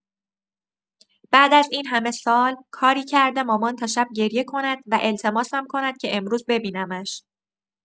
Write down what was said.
بعد از این‌همه سال، کاری کرده مامان تا شب گریه کند و التماسم کند که امروز ببینمش.